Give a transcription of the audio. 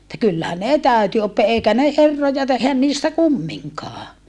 että kyllä ne täytyi oppia eikä ne herroja tehdä niistä kumminkaan